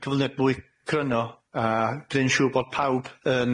a gneu'n shŵr bod pawb yn